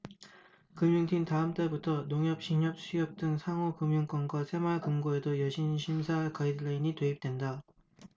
금융팀 다음 달부터 농협 신협 수협 등 상호금융권과 새마을금고에도 여신심사 가이드라인이 도입된다